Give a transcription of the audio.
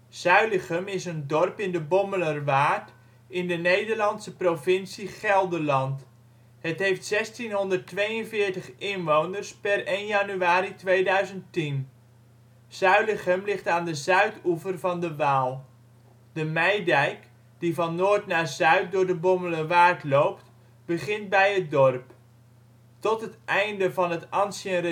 Zuilichem is een dorp in de Bommelerwaard in de Nederlandse provincie Gelderland. Het heeft 1642 inwoners (per 1 januari 2010). Zuilichem ligt aan de zuidoever van de Waal. De Meidijk, die van noord naar zuid door de Bommelerwaard loopt, begint bij het dorp. Tot het einde van het Ancien